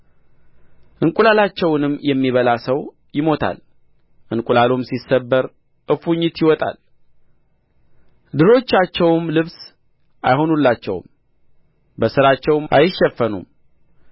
እንቍላላቸውንም የሚበላ ሰው ይሞታል እንቍላሉም ሲሰበር እፉኝት ይወጣል ድሮቻቸውም ልብስ አይሆኑላቸውም በሥራቸውም አይሸፈኑም